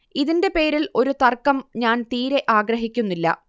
ഇതിന്റെ പേരിൽ ഒരു തർക്കം ഞാൻ തീരെ ആഗ്രഹിക്കുന്നില്ല